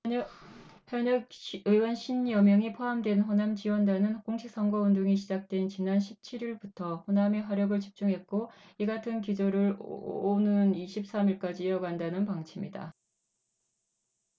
현역의원 쉰 여명이 포함된 호남지원단은 공식선거운동이 시작된 지난 십 칠 일부터 호남에 화력을 집중했고 이같은 기조를 오는 이십 삼 일까지 이어간다는 방침이다